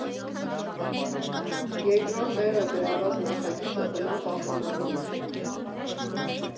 Երկրորդ տեղը գրաված նախագիծը բնապահպանական էր.